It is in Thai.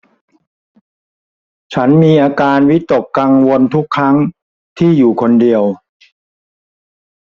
ฉันมีอาการวิตกกังวลทุกครั้งที่อยู่คนเดียว